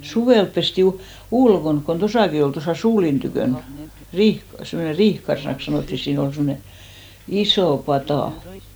suvella pestiin ulkona kun tuossakin oli tuossa suulin tykönä - semmoinen riihikarsinaksi sanottiin siinä oli semmoinen iso pata